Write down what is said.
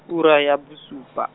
ura ya bosupa.